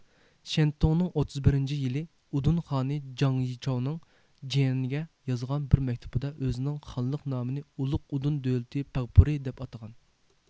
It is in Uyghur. شيەنتۇڭنىڭ ئوتتۇز بىرىنچى يىلى ئۇدۇن خانى جاڭ يىچاۋنىڭ جىيەنىگە يازغان بىر مەكتۇبىدا ئۆزىنىڭ خانلىق نامىنى ئۇلۇغ ئۇدۇن دۆلىتى پەغپۇرى دەپ ئاتىغان